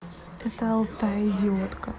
это алтай идиотка